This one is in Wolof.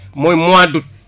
mooy mois d' août